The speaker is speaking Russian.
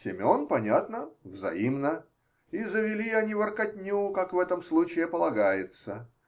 Семен, понятно, взаимно, и завели они воркотню, как в этом случае полагается.